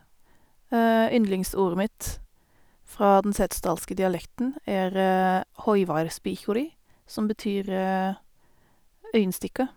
Yndlingsordet mitt fra den setesdalske dialekten er høyveirsbikåri, som betyr øyenstikker.